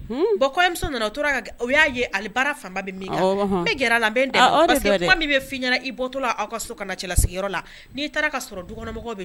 Tora o y'a fan bɛ min na da min bɛ fi ɲɛna i bɔ aw ka so ka cɛla sigin la'i taara ka sɔrɔ dukɔnɔmɔgɔ bɛ